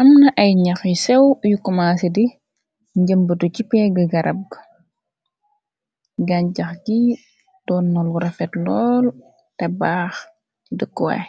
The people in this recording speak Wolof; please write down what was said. amna ay ñax yu sew yu komaasé di njëmbatu ci pégg garab g gancax gi donnalu rafet lool te baax ci dëkkuwaay.